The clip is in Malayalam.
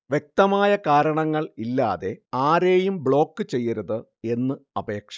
വ്യക്തമായ കാരണങ്ങള്‍ ഇല്ലാതെ ആരെയും ബ്ലോക്ക് ചെയ്യരുത് എന്ന് അപേക്ഷ